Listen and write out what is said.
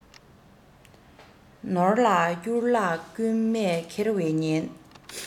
ནོར ལ བསྐྱུར བརླག རྐུན མས འཁྱེར བའི ཉེན